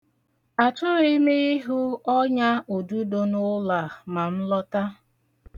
Achọghị m ịhụ ọnyaududo n'ụlọ a ma m lọta.